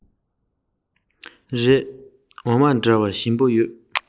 ཙི ཙིའི ཤ ཞིམ པོ འོ མ ལྟ བུ ཞིག ཡོད དམ